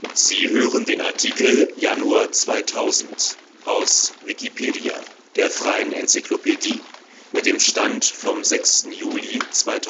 Sie hören den Artikel Januar 2000, aus Wikipedia, der freien Enzyklopädie. Mit dem Stand vom Der